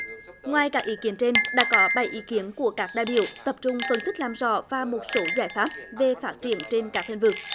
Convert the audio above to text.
ngoài các ý kiến trên đã có bảy ý kiến của các đại biểu tập trung phân tích làm rõ và một số giải pháp về phát triển trên các lĩnh vực